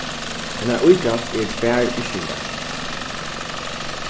hennara íkast er tvær yrkingar